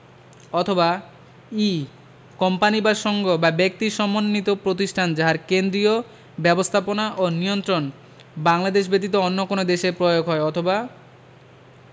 অথবা ই কোম্পানী বা সঙ্গ বা ব্যক্তি সমন্বিত প্রতিষ্ঠান যাহার কেন্দ্রীয় ব্যবস্থাপনা ও নিয়ন্ত্রণ বাংলাদেশ ব্যতীত অন্য কোন দেশে প্রয়োগ হয় অথবা